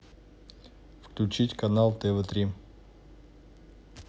включить канал тв три